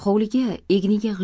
hovliga egniga